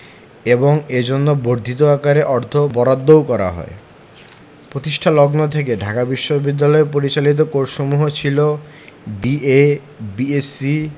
এবং এজন্য বর্ধিত আকারে অর্থ বরাদ্দও করা হয় প্রতিষ্ঠালগ্ন থেকে ঢাকা বিশ্ববিদ্যালয় পরিচালিত কোর্সসমূহ ছিল বি.এ বি.এসসি